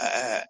yy yy